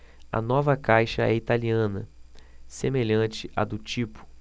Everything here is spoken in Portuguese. a nova caixa é italiana semelhante à do tipo